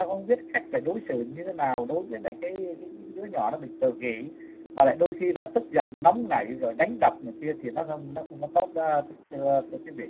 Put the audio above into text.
không biết cách đối xử như thế nào đối với cái những đứa nhỏ nó bị tự kỷ mà lại đôi khi ra tức giận nóng nảy rồi đánh đập này kia thì nó không nó không tốt thưa quý vị